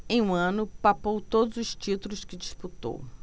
em um ano papou todos os títulos que disputou